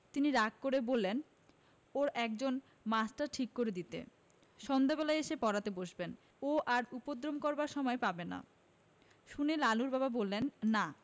তিনি রাগ করে বললেন ওর একজন মাস্টার ঠিক করে দিতে সন্ধ্যেবেলায় এসে পড়াতে বসবেন ও আর উপদ্রব করবার সময় পাবে না শুনে লালুর বাবা বললেন না